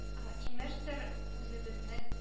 Ы имештер, үзебезне